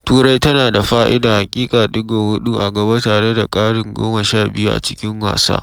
Turai tana da fa’ida, haƙiƙa, digo huɗu a gaba tare da ƙarin goma sha biyu a cikin wasa.